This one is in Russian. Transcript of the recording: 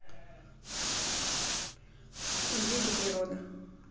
звуки природы